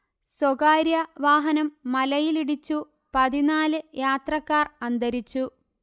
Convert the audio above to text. സ്വകാര്യ വാഹനം മലയിലിടിച്ചു പതിനാല് യാത്രക്കാർ അന്തരിച്ചു